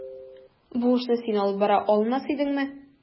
Бу эшне син алып бара алмас идеңме?